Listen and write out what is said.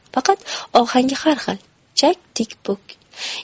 faqat ohangi har xil chak tikpuk